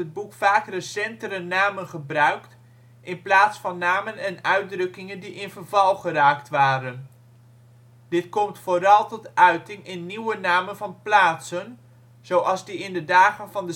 boek vaak recentere namen gebruikt in plaats van namen en uitdrukkingen die in verval geraakt waren. Dit komt vooral tot uiting in nieuwe namen van plaatsen, zoals die in de dagen van